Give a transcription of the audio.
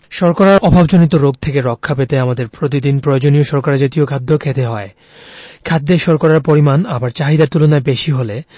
শর্করার অভাবজনিত রোগ থেকে রক্ষা পেতে আমাদের প্রতিদিন প্রয়োজনীয় শর্করা জাতীয় খাদ্য খেতে হয় খাদ্যে শর্করার পরিমাণ আবার চাহিদার তুলনায় বেশি হলে